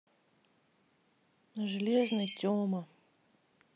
железный тема